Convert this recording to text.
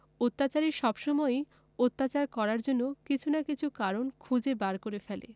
অত্যাচারী সবসময়ই অত্যাচার করার জন্য কিছু না কিছু কারণ খুঁজে বার করে ফেলে